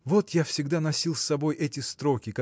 Вот я всегда носил с собой эти строки